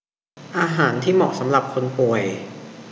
อาหารที่เหมาะสำหรับคนป่วย